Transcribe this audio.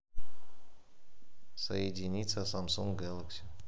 соединиться samsung galaxy